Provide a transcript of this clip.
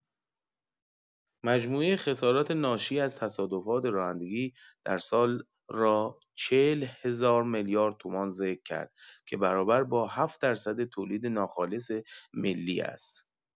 مجموعه خسارات ناشی از تصادفات رانندگی در سال را ۴۰ هزار میلیارد تومان ذکر کرد که برابر با ۷ درصد تولید ناخالص ملی است.